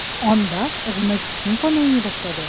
Анда Гыймазетдин каны уйный башлады.